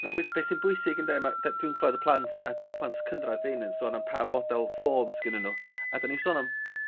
Ma bwy'... Be' sy'n bwysig ynde ma' d- dwi'n clywed y plant a d- plant cynradd 'di 'eina'n sôn am pa fodel ffôn sgynnyn nhw a 'dyn ni sôn am